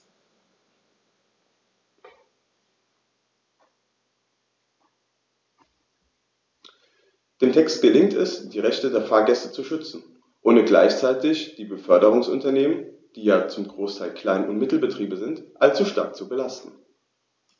Dem Text gelingt es, die Rechte der Fahrgäste zu schützen, ohne gleichzeitig die Beförderungsunternehmen - die ja zum Großteil Klein- und Mittelbetriebe sind - allzu stark zu belasten.